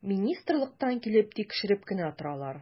Министрлыктан килеп тикшереп кенә торалар.